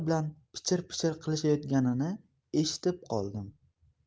bilan pichir pichir qilishayotganini eshitib qoldim